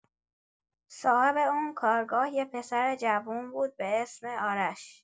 صاحب اون کارگاه یه پسر جوون بود به اسم آرش.